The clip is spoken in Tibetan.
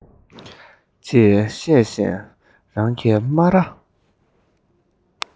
ཅེས བཤད བཞིན རང གི སྨ རར